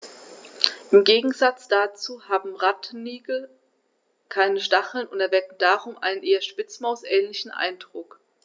Im Gegensatz dazu haben Rattenigel keine Stacheln und erwecken darum einen eher Spitzmaus-ähnlichen Eindruck.